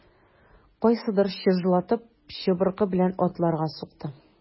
Кайсыдыр чыжлатып чыбыркы белән атларга сукты.